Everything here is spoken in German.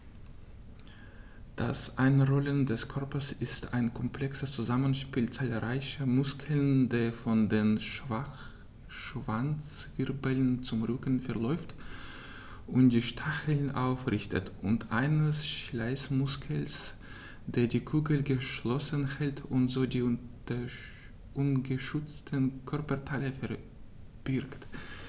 Das Einrollen des Körpers ist ein komplexes Zusammenspiel zahlreicher Muskeln, der von den Schwanzwirbeln zum Rücken verläuft und die Stacheln aufrichtet, und eines Schließmuskels, der die Kugel geschlossen hält und so die ungeschützten Körperteile verbirgt.